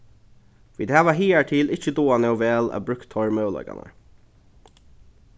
vit hava higartil ikki dugað nóg væl at brúkt teir møguleikarnar